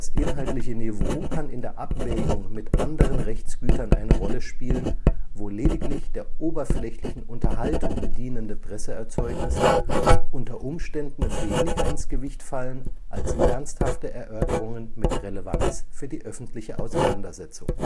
inhaltliche Niveau kann in der Abwägung mit anderen Rechtsgütern eine Rolle spielen, wo lediglich der oberflächlichen Unterhaltung dienende Presseerzeugnisse unter Umständen weniger ins Gewicht fallen als ernsthafte Erörterungen mit Relevanz für die öffentliche Auseinandersetzung